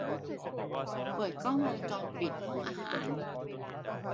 เปิดกล้องวงจรปิดห้องอาหาร